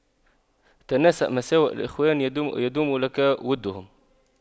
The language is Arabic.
تناس مساوئ الإخوان يدم لك وُدُّهُمْ